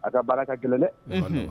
A ka baara ka gɛlɛn dɛ